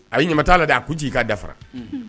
A ye ɲama t'a la dɛ! A kun ci i k'a dafara!